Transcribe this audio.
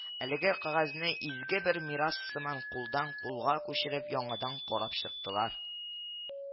Әлеге кәгазьне изге бер мирас сыман кулдан кулга күчереп яңадан карап чыктылар